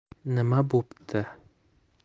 nima bo'pti